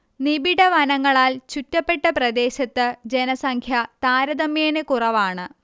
നിബിഢ വനങ്ങളാൽ ചുറ്റപ്പെട്ട പ്രദേശത്ത് ജനസംഖ്യ താരതമ്യേന കുറവാണ്